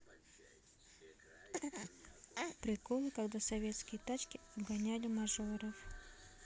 приколы когда советские тачки обгоняли мажоров